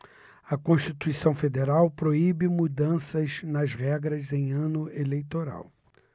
a constituição federal proíbe mudanças nas regras em ano eleitoral